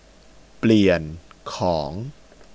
เปลี่ยนของ